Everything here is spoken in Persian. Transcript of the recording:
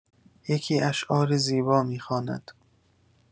یکی اشعار زیبا می‌خواند.